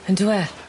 Yndyw e?